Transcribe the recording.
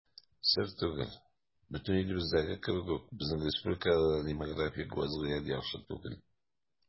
Сер түгел, бөтен илебездәге кебек үк безнең республикада да демографик вазгыять яхшы түгел.